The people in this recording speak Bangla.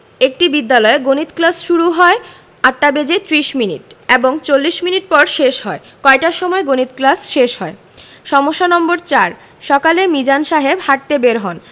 একটি বিদ্যালয়ে গণিত ক্লাস শুরু হয় ৮টা বেজে ৩০ মিনিট এবং ৪০ মিনিট পর শেষ হয় কয়টার সময় গণিত ক্লাস শেষ হয় সমস্যা নম্বর ৪ সকালে মিজান সাহেব হাঁটতে বের হন